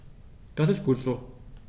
Das ist gut so.